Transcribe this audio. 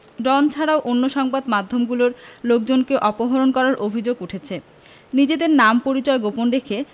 ডন ছাড়াও অন্য সংবাদ মাধ্যমগুলোর লোকজনকে অপহরণ করারও অভিযোগ উঠেছে নিজেদের নাম পরিচয় গোপন রেখে